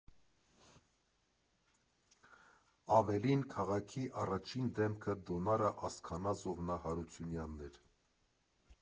Ավելին՝ քաղաքի առաջին դեմքը Դոնարա Ասքանազովնա Հարությունյանն էր։